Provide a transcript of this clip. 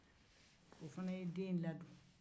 o fana ye den ladon